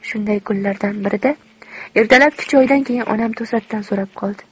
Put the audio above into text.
shunday kunlardan birida ertalabki choydan keyin onam to'satdan so'rab qoldi